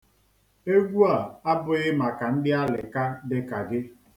Egwu a abụghị maka ndị alịka dị ka gi.